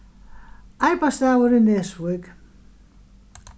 arbeiðsdagur í nesvík